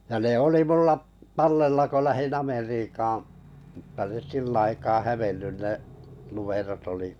ja ne oli minulla tallella kun lähdin Amerikkaan mutta ne sillä aikaa hävinnyt ne numerot oli